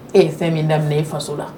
K' ye fɛn min daminɛ i faso la.